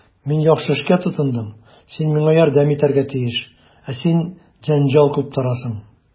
Мин яхшы эшкә тотындым, син миңа ярдәм итәргә тиеш, ә син җәнҗал куптарасың.